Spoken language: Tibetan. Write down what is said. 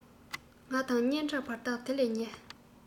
ང དང སྙན གྲགས བར ཐག དེ ལས ཉེ